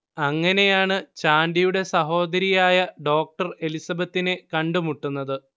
അങ്ങനെയാണ് ചാണ്ടിയുടെ സഹോദരിയായ ഡോക്ടർ എലിസബത്തിനെ കണ്ടു മുട്ടുന്നത്